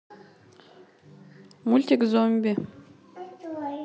мультик зомби